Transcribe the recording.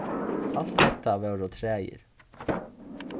alt hetta vóru traðir